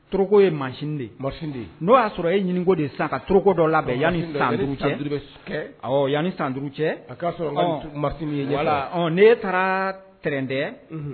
Toroko ye machine de ye machine de ye n'o y'a sɔrɔ e ɲiniko de ye sisan ka toroko dɔ labɛn yani san 5 cɛ yani san 5 be s kɛ awɔɔ yani san 5 cɛ a k'a sɔrɔ ŋa moto marcher ni n ye ɲɛfɛ voilà ɔɔ n'e taara tɛrɛndɛ unhun